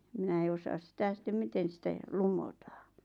minä en osaa sitä sitten miten sitä - lumottiin